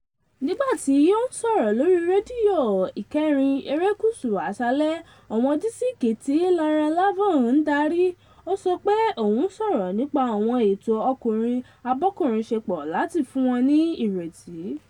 Nígbàtí ó ń sọ̀rọ̀ lórí Rédíò 4 Èrékùsù Àṣálẹ̀ Àwọn Dísìkì tí Lauren Laverne ń darí, ó sọ pé òun sọ̀rọ̀ nípa àwọn ẹ̀tọ́ ọkùnrin-abọ́kùnrinṣepọ̀ láti fún wọ́n ní “ìrètí.”